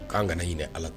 K'an kana ɲini ala